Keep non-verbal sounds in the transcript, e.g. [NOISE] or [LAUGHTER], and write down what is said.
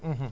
[HESITATION] [HESITATION]